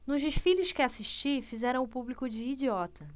nos desfiles que assisti fizeram o público de idiota